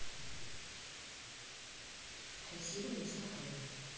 красивые места крыма